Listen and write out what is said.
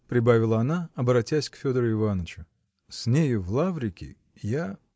-- прибавила она, оборотясь к Федору Иванычу. -- С нею в Лаврики? я?